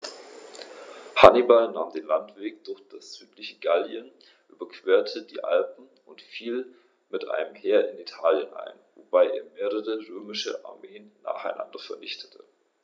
Hannibal nahm den Landweg durch das südliche Gallien, überquerte die Alpen und fiel mit einem Heer in Italien ein, wobei er mehrere römische Armeen nacheinander vernichtete.